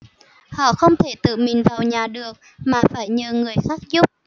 họ không thể tự mình vào nhà được mà phải nhờ người khác giúp